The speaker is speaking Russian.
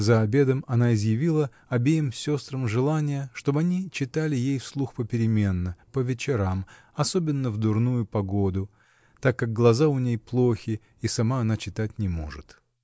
За обедом она изъявила обеим сестрам желание, чтоб они читали ей вслух попеременно, по вечерам, особенно в дурную погоду, так как глаза у ней плохи и сама она читать не может.